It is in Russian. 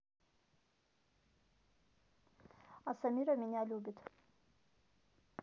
а самира меня любит